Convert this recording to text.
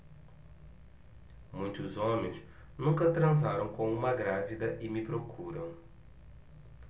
muitos homens nunca transaram com uma grávida e me procuram